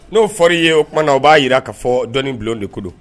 N'o fɔraɔri ye o tuma na u b'a jira k'a fɔ dɔnnii bulon de kulu